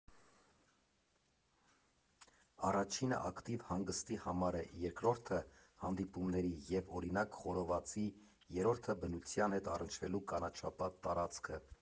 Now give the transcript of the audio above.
Առաջինը ակտիվ հանգստի համար է, երկրորդը հանդիպումների և, օրինակ, խորովածի, երրորդը բնության հետ առնչվելու կանաչապատ տարածքը։